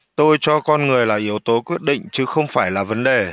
tôi cho con người là yếu tố quyết định chứ không phải là vấn đề